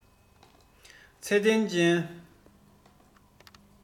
ཚད ལྡན ཅན